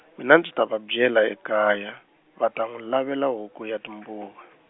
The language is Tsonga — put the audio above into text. mina ndzi ta va byela ekaya, va ta nwi lavela huku ya timbuva.